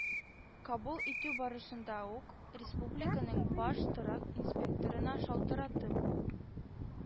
Кабул итү барышында ук республиканың баш торак инспекторына шалтыратып, бу